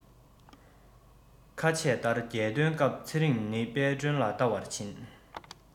ཁ ཆད ལྟར རྒྱལ སྟོན སྐབས ཚེ རིང ནི དཔལ སྒྲོན ལ བལྟ བར ཕྱིན